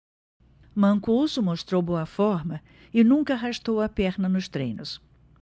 mancuso mostrou boa forma e nunca arrastou a perna nos treinos